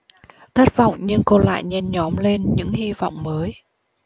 thất vọng nhưng cô lại nhen nhóm lên những hy vọng mới